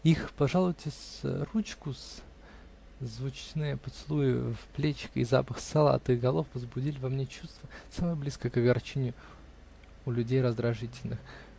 Их "пожалуйте ручку-с", звучные поцелуи в плечико и запах сала от их голов возбудили во мне чувство, самое близкое к огорчению у людей раздражительных.